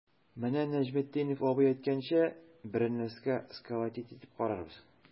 Менә Нәҗметдинов абый әйткәнчә, берәр нәрсә сколотить итеп карарбыз.